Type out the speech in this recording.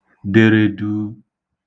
dere duu